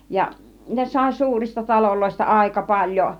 ja ne sai suurista taloista aika paljon